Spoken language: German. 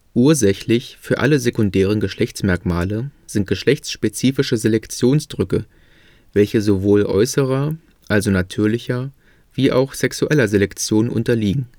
Ursächlich für alle sekundären Geschlechtsmerkmale sind geschlechts­spezifische Selektionsdrücke, welche sowohl äußerer (natürlicher) wie sexueller Selektion unterliegen